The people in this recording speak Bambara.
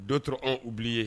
Donur an u bilen ye